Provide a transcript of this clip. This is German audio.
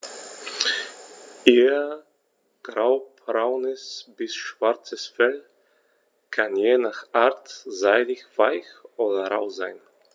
Ihr graubraunes bis schwarzes Fell kann je nach Art seidig-weich oder rau sein.